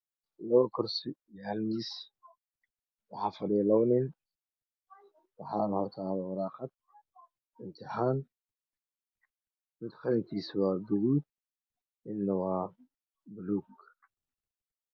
Labo kursi iyo hal miis waxaa fadhiyo labo nin waxaa hortaala waraaqad intixaan mid qalin kiisu waa gaduud midna qalin kiisu waa buluug.